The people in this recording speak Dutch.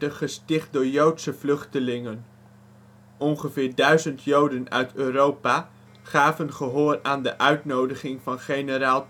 gesticht door joodse vluchtelingen. Ongeveer duizend Joden uit Europa gaven gehoor aan de uitnodiging van generaal